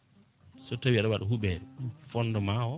so tawi aɗa waɗa huuɓere fondement o